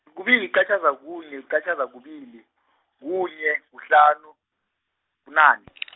kubili yiqatjhaza kunye, yiqatjhaza kubili, kunye, kuhlanu, bunane.